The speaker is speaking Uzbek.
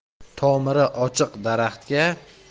tomiri ochiq daraxtga